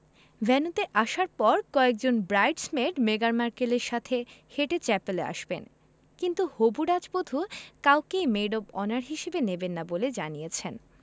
ভেন্যুতে আসার পর কয়েকজন ব্রাইডস মেড মেগান মার্কেলের সাথে হেঁটে চ্যাপেলে আসবেন কিন্তু হবু রাজবধূ কাউকেই মেড অব অনার হিসেবে নেবেন না বলে জানিয়েছেন